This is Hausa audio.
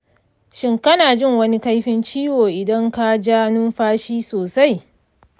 shin kana jin wani kaifi ciwo idan ka ja numfashi sosai?